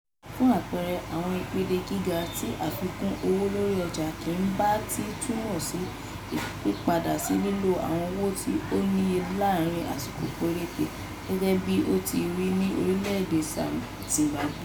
Fún àpẹẹrẹ, àwọn ìpele gíga ti àfikún owó lórí ọjà, kì bá ti túmọ̀ sí pípadà sí lílo àwọn owó tí ó níye láàárín àsìkò péréte, gẹ́gẹ́ bí ó ti rí ní orílẹ́ èdè Zimbabwe.